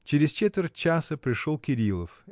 Чрез четверть часа пришел Кирилов.